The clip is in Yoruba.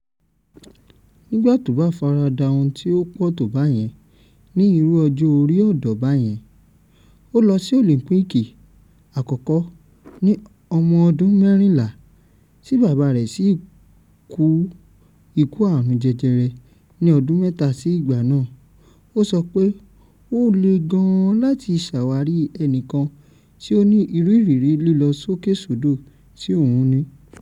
"Nígbà tí ó bá farada ohun tí ó pọ̀ tó bẹ́yẹn ní irú ọjọ́ orí ọ̀dọ̀ bẹ́yẹn“ - o lọ sí Òlíńpíìkì àkọ́kọ́ ní ọmọ ọdún 14 tí bàbá rẹ̀ sì kú ikú àrùn jẹjẹrẹ ní ọdún mẹ́tà sí ìgbà náà - ó sọ pé ó le gan an láti ṣàwárí ẹnìkan tí ó ní ìrú ìrírí lílọ sókè sódò tí òun ní.